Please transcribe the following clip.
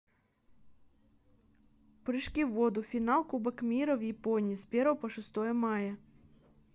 прыжки в воду финал кубок мира в японии с первого по шестое мая